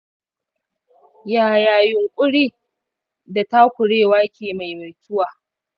yaya yunƙuri da takurewa ke maimaituwa